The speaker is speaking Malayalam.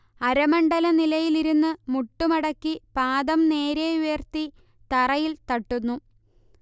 അരമണ്ഡല നിലയിലിരുന്ന് മുട്ട് മടക്കി പാദം നേരെ ഉയർത്തി തറയിൽ തട്ടുന്നു